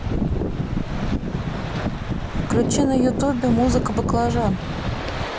включи на ютубе музыка баклажан